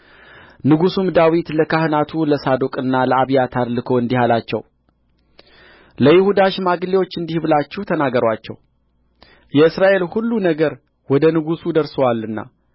ንጉሡም ዳዊት ለካህናቱ ለሳዶቅና ለአብያታር ልኮ እንዲህ አላቸው ለይሁዳ ሽማግሌዎች እንዲህ ብላችሁ ተናገሩአቸው የእስራኤል ሁሉ ነገር ወደ ንጉሡ ደርሶአልና